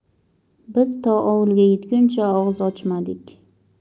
biz to ovulga yetguncha og'iz ochmadik